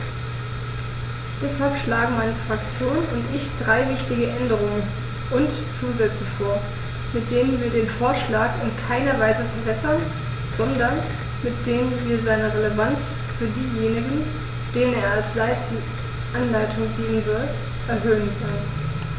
Deshalb schlagen meine Fraktion und ich drei wichtige Änderungen und Zusätze vor, mit denen wir den Vorschlag in keiner Weise verwässern, sondern mit denen wir seine Relevanz für diejenigen, denen er als Anleitung dienen soll, erhöhen wollen.